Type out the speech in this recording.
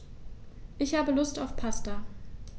Ich habe Lust auf Pasta.